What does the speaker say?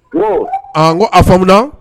Ko ko a fauna